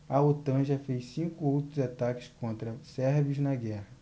a otan já fez cinco outros ataques contra sérvios na guerra